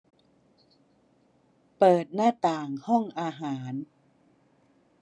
เปิดหน้าต่างห้องอาหาร